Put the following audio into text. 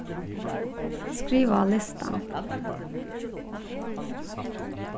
skriva á listan